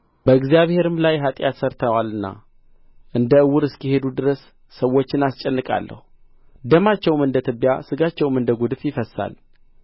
በእግዚአብሔርም ላይ ኃጢአት ሠርተዋልና እንደ ዕውር እስኪሄዱ ድረስ ሰዎችን አስጨንቃለሁ ደማቸውም እንደ ትቢያ ሥጋቸውም እንደ ጕድፍ ይፈስሳል